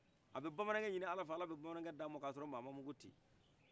a bɛ bamanankɛ ɲini ala fɛ ala bɛ bamanan kɛ di a ma ka a sɔrɔ mɔgɔ ma mugu ci